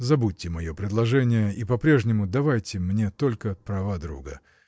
Забудьте мое предложение и по-прежнему давайте мне только права друга.